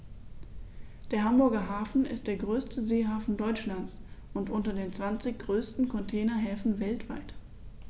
Der Hamburger Hafen ist der größte Seehafen Deutschlands und unter den zwanzig größten Containerhäfen weltweit.